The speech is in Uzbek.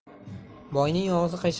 boyning og'zi qiyshiq